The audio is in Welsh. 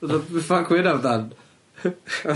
Fatha, be' cwyno amdan?